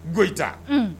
Goita unn